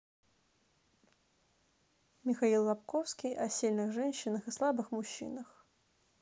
михаил лабковский о сильных женщинах и слабых мужчинах